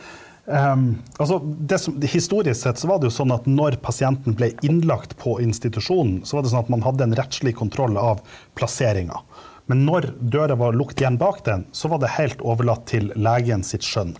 altså det historisk sett så var det jo sånn at når pasienten ble innlagt på institusjonen, så var det sånn at man hadde en rettslig kontroll av plasseringa, men når døra var lukket igjen bak den så var det heilt overlatt til legen sitt skjønn.